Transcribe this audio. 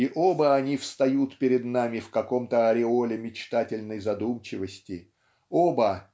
и оба они встают перед нами в каком-то ореоле мечтательной задумчивости оба